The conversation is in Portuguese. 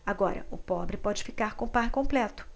agora o pobre pode ficar com o par completo